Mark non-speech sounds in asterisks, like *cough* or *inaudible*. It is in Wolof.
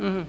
*hesitation* *hesitation*